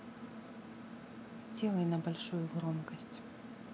сделай на большую громкость